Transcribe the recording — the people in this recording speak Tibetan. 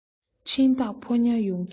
འཕྲིན བདག ཕོ ཉ ཡོང གི